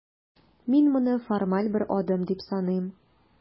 Мин моны формаль бер адым дип саныйм.